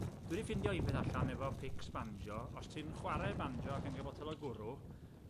dwi 'di ffidio un peth allan efo pics banjo os ti'n chware banjo a gen botel o gwrw